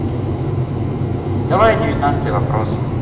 давай девятнадцатый вопрос